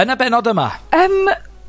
Yn y bennod yma. Yym